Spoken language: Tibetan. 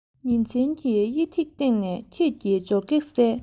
ཉིན མཚན གྱི དབྱེ ཐིག སྟེང ནས ཁྱེད ཀྱི འཇོ སྒེག གསལ